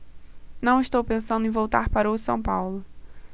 não estou pensando em voltar para o são paulo